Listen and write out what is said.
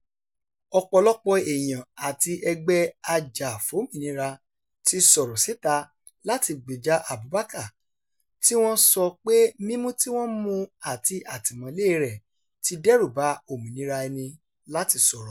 Ọ̀pọ̀lọpọ̀ èèyàn àti ẹgbẹ́ ajàfómìnira ti sọ̀rọ̀ síta láti gbèjà Abubacar tí wọ́n sọ pé mímú tí wọ́n mú un àti àtìmọ́lée rẹ̀ ti dẹ́rùba òmìnira ẹni láti sọ̀rọ̀.